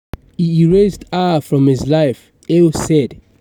"He erased her from his life," Hale said.